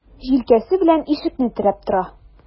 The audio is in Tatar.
Җилкәсе белән ишекне терәп тора.